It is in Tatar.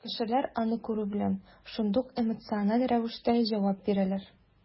Тик кешеләр, аны күрү белән, шундук эмоциональ рәвештә җавап бирәләр.